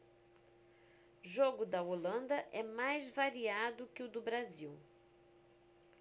jogo da holanda é mais variado que o do brasil